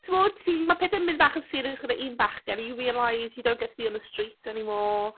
Timod ti'n... mae pethau'n mynd bach yn serious gyda un bachgen and you realise you don't get to be on the streets anymore.